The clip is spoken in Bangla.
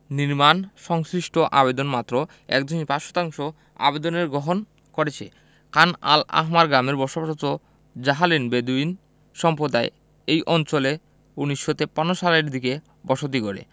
নির্মাণ সংশ্লিষ্ট আবেদনের মাত্র ১.৫ শতাংশ আবেদনের গ্রহণ করেছে খান আল আহমার গ্রামে বসবাসরত জাহালিন বেদুইন সম্প্রদায় এই অঞ্চলে ১৯৫৩ সালের দিকে বসতি গড়ে